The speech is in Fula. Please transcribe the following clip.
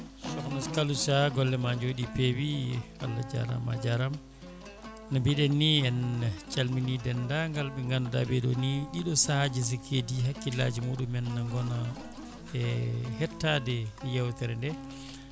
skhna Kaliusa gollema jooɗi peewi Allah jarama a jarama no mbiɗen ni en calmini dendafal ɓeeɗo ni ɗiɗo saahaji so keedi hakkilaji muɗumen ne goona e hettade yewtere nde